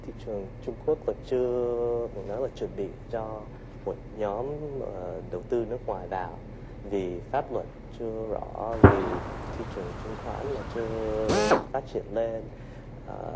thị trường trung quốc và chưa phải nói là chuẩn bị cho một nhóm đầu tư nước ngoài vào vì pháp luật chưa rõ vì thị trường chứng khoán và sự phát triển lên à